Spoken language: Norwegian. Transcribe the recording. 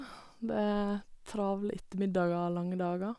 Det er travle ettermiddager og lange dager.